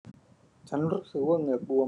ฉันรู้สึกว่าเหงือกบวม